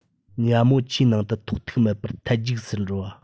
ཉ མོ ཆུའི ནང དུ ཐོགས ཐུག མེད པར ཐལ རྒྱུག སུ འགྲོ བ